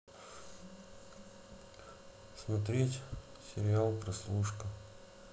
смотреть сериал прослушка